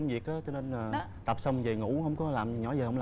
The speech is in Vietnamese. việc á cho nên là tập xong về ngủ hông có làm nhỏ giờ hông